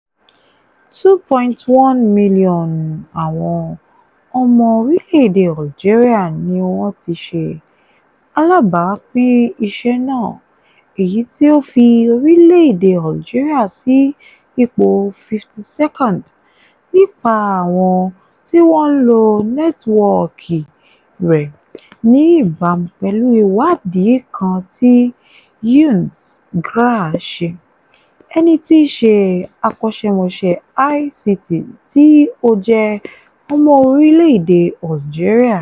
2.1 mílíọ̀nù àwọn ọmọ orílẹ̀ èdè Algeria ni wọ́n ti ṣe alábàápín iṣẹ́ náà, èyí tí ó fi orílè-èdè Algeria sí ipò 52nd nípa àwọn tí wọ́n ń lo nẹ́tíwọ́ọ̀kì rẹ̀, ní ìbámu pẹ̀lú ìwádìí kan tí Younes Grar ṣe, ẹni tí í ṣe akọ́ṣẹ́mọṣẹ́ ICT tí ó jẹ́ ọmọ orílẹ̀ èdè Algeria.